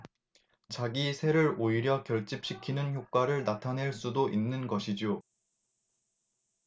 자기 세를 오히려 결집시키는 효과를 나타낼 수도 있는 것이죠